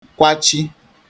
kwachī